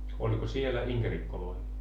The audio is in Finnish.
oliko siellä inkerikkoja